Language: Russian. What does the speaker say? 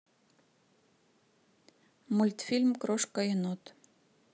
мультфильм крошка енот